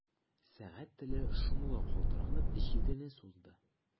Сәгать теле шомлы калтыранып җидене узды.